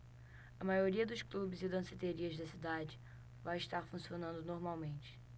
a maioria dos clubes e danceterias da cidade vai estar funcionando normalmente